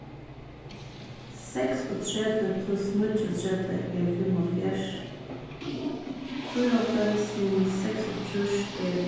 seksogtretivu pluss níggjuogtretivu er fimmoghálvfjerðs fýraoghálvfems minus seksoghálvtrýss er